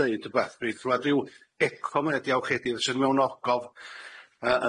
deud rwbath dwi'n clwad ryw eco ddiawchedig sydd mewn ogof yy